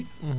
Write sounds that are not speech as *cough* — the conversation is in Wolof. *hesitation* *hesitation*